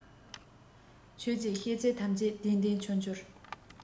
ཁྱོད ཀྱིས བཤད ཚད ཐམས ཅད བདེན བདེན འཆོལ འཆོལ